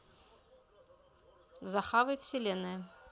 захавай вселенная